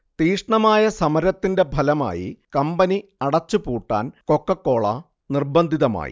തീക്ഷണമായ സമരത്തിന്റെ ഫലമായി കമ്പനി അടച്ചുപൂട്ടാൻ കൊക്കക്കോള നിർബന്ധിതമായി